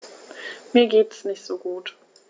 Mir geht es nicht gut.